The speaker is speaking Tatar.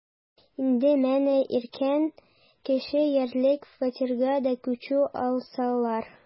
Инде менә иркен, кеше яшәрлек фатирга да күчә алсалар...